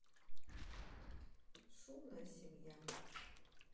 шумная семья